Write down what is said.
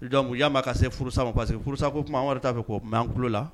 Dɔnkuc u'a'a ka se furu parce que furusa ko wɛrɛ'a fɛ ko mɛan la